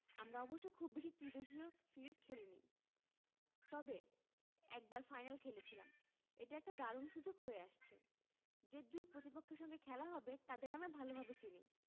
আমরা অবশ্য খুব বেশি ত্রিদেশীয় সিরিজ খেলেনি তবে একবার ফাইনাল খেলেছিলাম এটা একটা দারুণ সুযোগ হয়ে আসছে যে দুই প্রতিপক্ষের সঙ্গে খেলা হবে তাদের আমরা ভালোভাবে চিনি